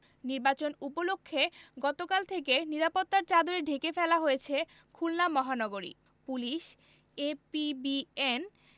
নির্বাচন উপলক্ষে গতকাল থেকে নিরাপত্তার চাদরে ঢেকে ফেলা হয়েছে খুলনা মহানগরী পুলিশ এপিবিএন